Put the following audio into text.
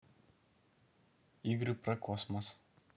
игры про космос